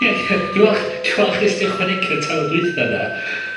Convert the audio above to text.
Ie, dwi falch, dwi walch nes di ychwanegu'r tamed dwitha 'na.